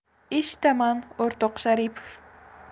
eshitaman o'rtoq sharipov